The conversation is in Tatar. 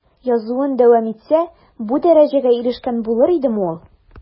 Язуын дәвам итсә, бу дәрәҗәгә ирешкән булыр идеме ул?